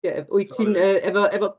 Ie wyt ti'n yy efo efo...